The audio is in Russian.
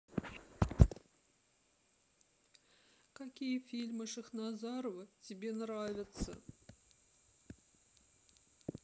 какие фильмы шахназарова тебе нравятся